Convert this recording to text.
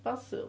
Basil?